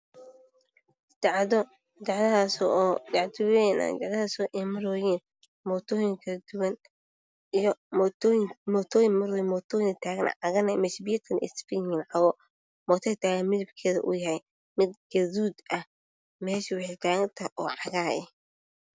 Bacaad bacaad kaa soo mari la yihiin motooyin mid cadaan ah iyo mid gaduud ah